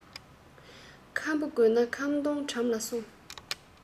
ཁམ བུ དགོས ན ཁམ སྡོང འགྲམ ལ སོང